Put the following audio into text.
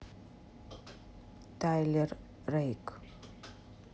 тайлер рейк